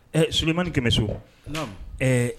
Ɛ solimani kɛmɛ bɛ so ɛɛ